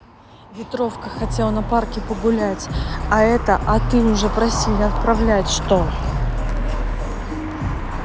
ветровка хотел на парке погулять а это а ты уже просили отправлять что